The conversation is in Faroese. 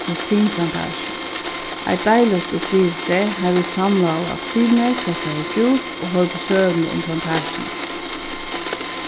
appilsinplantasju eitt deiligt upplivilsi har vit samlaðu appilsinir pressaðu djús og hoyrdu søguna um plantasjuna